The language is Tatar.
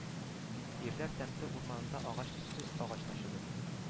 Ирләр тәмте урманында агач кисте, агач ташыды